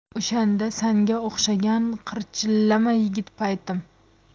o'shanda sanga o'xshagan qirchillama yigit paytim